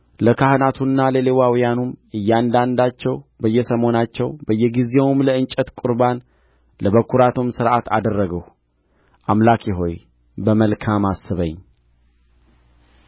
ለካህናቱና ለሌዋውያኑም እያንዳንዳቸው በየሰሞናቸው በየጊዜያቸውም ለእንጨት ቍርባን ለበኵራቱም ሥርዓት አደረግሁ አምላኬ ሆይ በመልካም አስበኝ